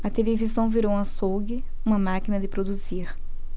a televisão virou um açougue uma máquina de produzir